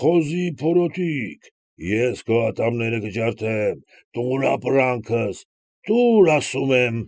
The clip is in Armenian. Խոզի փորոտիք, ես քո ատամները կջարդեմ, տո՛ւր ապրանքս, տո՛ւր, ասում եմ։